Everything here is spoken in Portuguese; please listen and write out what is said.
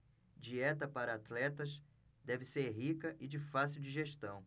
dieta para atletas deve ser rica e de fácil digestão